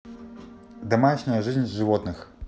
домашняя жизнь животных